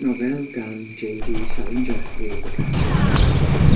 Nofel gan jei dî Salinger yw The Catcher in the Rye.